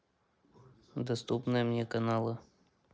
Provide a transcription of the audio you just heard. доступные мне каналы